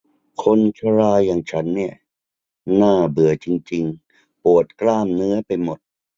คนชราอย่างฉันนี่น่าเบื่อจริงจริงปวดกล้ามเนื้อไปหมด